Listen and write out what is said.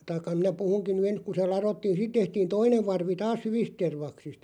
tai minä puhunkin nyt ensin kun se ladottiin sitten tehtiin toinen varvi taas hyvistä tervaksista